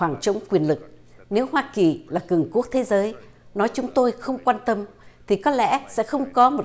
khoảng trống quyền lực nếu hoa kỳ là cường quốc thế giới nói chúng tôi không quan tâm thì có lẽ sẽ không có một